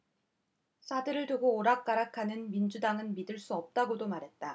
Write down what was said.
사드를 두고 오락가락하는 민주당은 믿을 수 없다고도 말했다